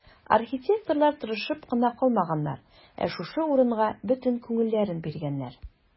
Архитекторлар тырышып кына калмаганнар, ә шушы урынга бөтен күңелләрен биргәннәр.